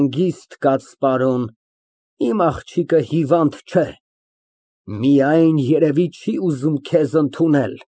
Հանգիստ կաց, պարոն, իմ աղջիկը հիվանդ չէ, միայն երևի չի ուզում քեզ ընդունել։